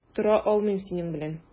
Тора алмыйм синең белән.